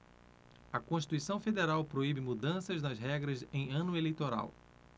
a constituição federal proíbe mudanças nas regras em ano eleitoral